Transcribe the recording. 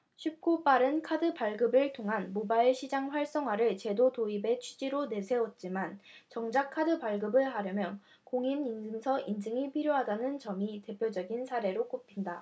쉽고 빠른 카드 발급을 통한 모바일 시장 활성화를 제도 도입의 취지로 내세웠지만 정작 카드 발급을 하려면 공인인증서 인증이 필요하다는 점이 대표적인 사례로 꼽힌다